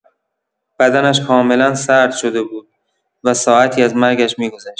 بدنش کاملا سرد شده بود و ساعتی از مرگش می‌گذشت.